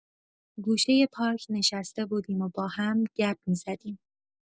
گوشه پارک نشسته بودیم و با هم گپ می‌زدیم.